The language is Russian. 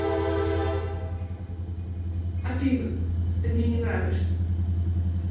афина ты мне не нравишься